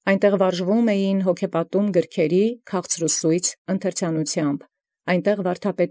Անդ կրթութիւն քաղցրուսոյց ընթերցուածոց՝ հոգեպատում գրոց։